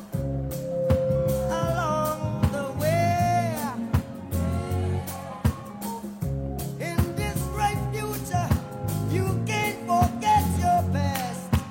We i bɛdi cɛ' kɛ bon kɛ sɔrɔ fɛ